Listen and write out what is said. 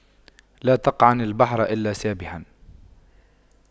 لا تقعن البحر إلا سابحا